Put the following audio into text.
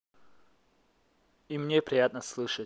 и мне приятно слышать